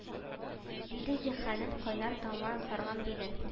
Диде зиһенен кайнар томан сарган вилен